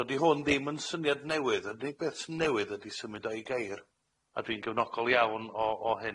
So 'di hwn ddim yn syniad newydd, yr unig beth sy'n newydd ydi symud o i geir, a dwi'n gefnogol iawn o o hyn.